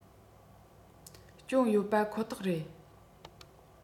ཅུང ཡོད པ ཁོ ཐག རེད